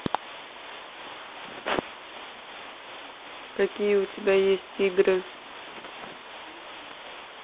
какие у тебя есть игры